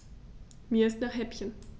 Mir ist nach Häppchen.